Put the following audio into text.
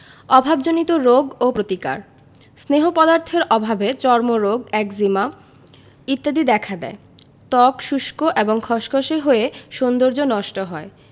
অভাবজনিত রোগ ও প্রতিকার স্নেহ পদার্থের অভাবে চর্মরোগ একজিমা ইত্যাদি দেখা দেয় ত্বক শুষ্ক এবং খসখসে হয়ে সৌন্দর্য নষ্ট হয়